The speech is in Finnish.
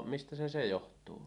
mistä se se johtuu